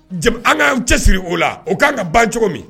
An k'an cɛ siri o la o ka kan ka ban cogo min.